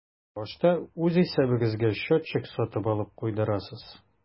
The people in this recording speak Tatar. Башта үз исәбегезгә счетчик сатып алып куйдырасыз.